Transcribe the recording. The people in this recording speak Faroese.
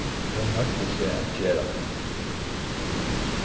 hon noyddi seg at gera tað